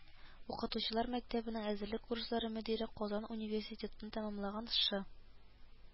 Укытучылар мәктәбенең әзерлек курслары мөдире, Казан университетын тәмамланган Шы